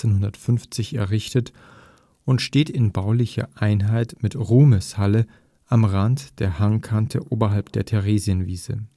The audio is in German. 1850 errichtet und steht in baulicher Einheit mit der Ruhmeshalle am Rande der Hangkante oberhalb der Theresienwiese